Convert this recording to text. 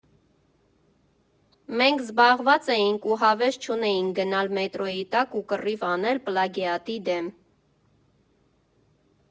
Մենք զբաղված էինք, ու հավես չունեինք գնալ մետրոյի տակ ու կռիվ անել պլագիատի դեմ։